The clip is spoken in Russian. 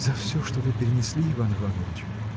— За всё, что вы перенесли, Иван Иванович.